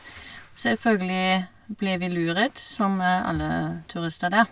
Selvfølgelig ble vi lurt, som alle turister der.